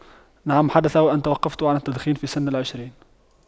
نعم حدث وان توقفت عن التدخين في سن العشرين